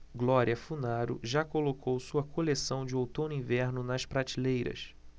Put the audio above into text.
glória funaro já colocou sua coleção de outono-inverno nas prateleiras